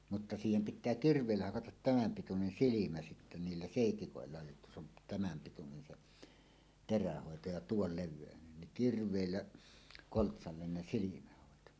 mutta siihen pitää kirveillä hakata tämän pituinen silmä sitten niillä seitsikoilla jotta se on tämän pituinen se terähoito ja tuon levyinen niin kirveillä koltsalle ne silmähoito